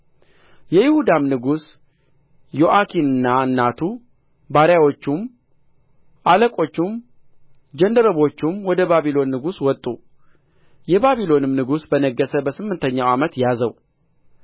የይሁዳም ንጉሥ ዮአኮንና እናቱ ባርያዎቹም አለቆቹም ጃንደረቦቹም ወደ ባቢሎን ንጉሥ ወጡ የባቢሎንም ንጉሥ በነገሠ በስምንተኛው ዓመት ያዘው